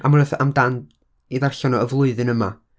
A ma'na rhywbeth amdan ei darllan o yn y flwyddyn yma...